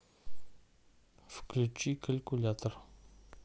включи калькулятор